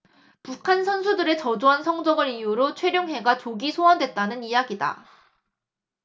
북한 선수들의 저조한 성적을 이유로 최룡해가 조기 소환됐다는 이야기다